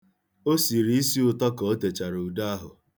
O siri isi ụtọ ka o techara ude ahụ.